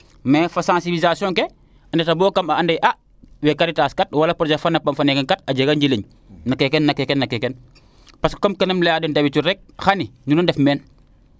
mais fo sensiblisation ke a ndeta bo kam a ande a we Katetas kat wala projet Pam fane kat a jega njiriñ no keke no keke parce kene im leya den d' habitude rek xani nuun o ndef meen